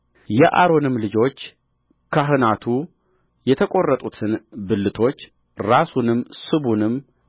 የአሮንም ልጆች ካህናቱ የተቈረቱትን ብልቶች ራሱንም ስቡንም